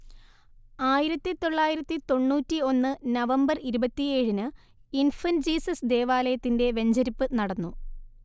ആയിരത്തി തൊള്ളായിരത്തി തൊണ്ണൂറ്റി ഒന്ന് നവംബർ ഇരുപത്തിയേഴിന് ഇൻഫന്റ് ജീസസ് ദേവാലയത്തിന്റെ വെഞ്ചരിപ്പ് നടന്നു